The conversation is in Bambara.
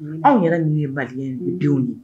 Anw yɛrɛ min ye mali denw ye